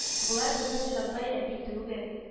Болар безнең Җантай әби түгел